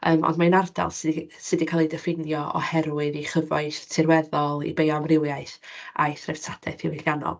Yym, ond mae'n ardal sy sy 'di cael ei ddiffinio oherwydd ei chyfoeth tirweddol, ei beioamrywiaeth a'i threftadaeth ddiwydiannol.